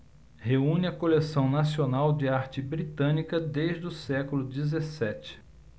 reúne a coleção nacional de arte britânica desde o século dezessete